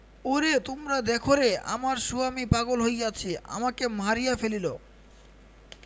ওরে তোমরা দেখরে আমার সোয়ামী পাগল হইয়াছে আমাকে মারিয়া ফেলিল |